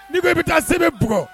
N'i ko i bɛ taa se bɛ bugɔ